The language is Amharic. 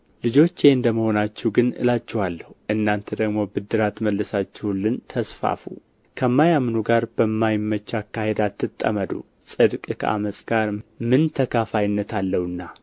ልጆቼ እንደ መሆናችሁ ግን እላችኋለሁ እናንተ ደግሞ ብድራት መልሳችሁልን ተስፋፉ ከማያምኑ ጋር በማይመች አካሄድ አትጠመዱ ጽድቅ ከዓመፅ ጋር ምን ተካፋይነት አለውና